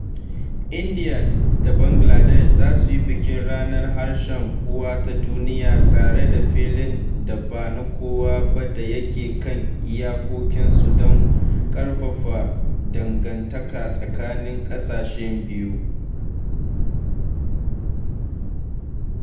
Indiya da Bangladesh za su yi bikin Ranar Harshen Uwa ta Duniya tare a filin da ba na kowa ba da yake kan iyakokinsu don ƙarfafa dangantaka tsakanin ƙasashen biyu.